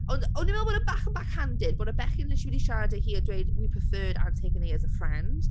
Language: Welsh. Ond, o'n i'n meddwl bod e bach yn backhanded, bod y bechyn literally wedi siarad â hi a dweud "We preferred Antigone as a friend"...